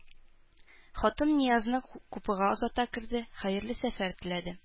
Хатын Ниязны купега озата керде, хәерле сәфәр теләде